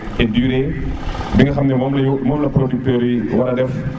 et durer binga xamne mom la producteur yi wara def